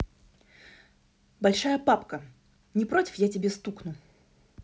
большая папка не против я тебе стукну